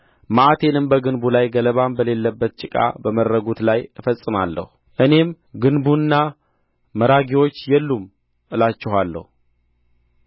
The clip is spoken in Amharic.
መዓቴንም በግንቡ ላይ ገለባም በሌለበት ጭቃ በመረጉት ላይ እፈጽማለሁ እኔም ግንቡና መራጊዎቹ የሉም እላችኋለሁ